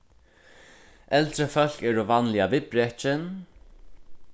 eldri fólk eru vanliga viðbrekin